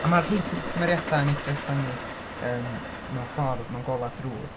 A ma' rhai cym- cymeriadau yn edrych arni ymm mewn ffordd mewn gola drwg.